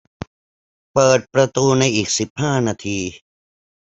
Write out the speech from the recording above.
เปิดประตูในอีกสิบห้านาที